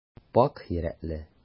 Пакь йөрәкле.